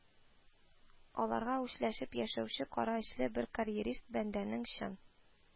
Аларга үчләшеп яшәүче, кара эчле бер карьерист бәндәнең чын